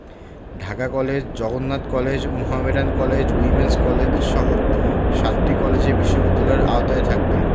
Dhaka college Jagannath college Mohammedan college women's কলেজসহ সাতটি college এ বিশ্ববিদ্যালয়ের আওতায় থাকবে